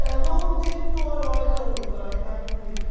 đàn đúm thích đua đòi không phải anh